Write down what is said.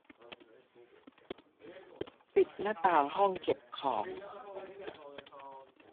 ปิดหน้าต่างห้องเก็บของ